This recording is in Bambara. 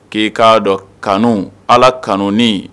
K'i k'a dɔn kanu ala kanunen